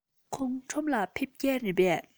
ཁོང ཁྲོམ ལ ཕེབས མཁན རེད པས